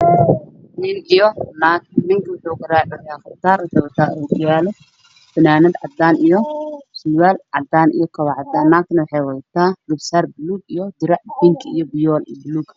Meeshaan waxaa ka muuqdo nin iyo naag